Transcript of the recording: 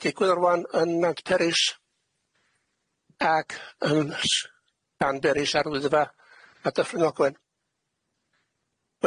A ma' digwydd rŵan yn Mount Peris ag yn s- Danberis ar Wyddfa a Dyffryn Ogwen.